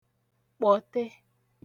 kpọ̀te